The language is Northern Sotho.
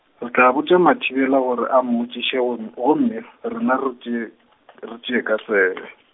re tla botša Mathibela gore a mmotšiše gomm-, gomme rena re tšee , re tšee ka tsebe.